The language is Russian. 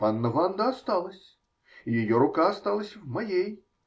Панна Ванда осталась, и ее рука осталась в моей.